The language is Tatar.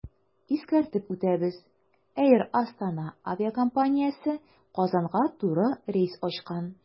Искәртеп үтәбез, “Эйр Астана” авиакомпаниясе Казанга туры рейс ачкан.